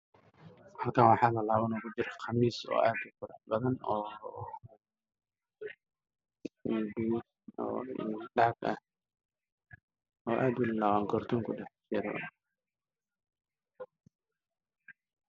Halkaan waxa laa laaban ku jira qamiis qurux badan waaye iyo caag kartoob ku dhex jira l.